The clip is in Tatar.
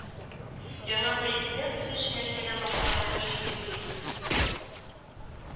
Яңа президент үз эшен нәрсәдән башларга тиеш дип уйлыйсыз